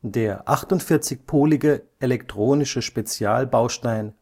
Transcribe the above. Der 48-polige elektronische Spezialbaustein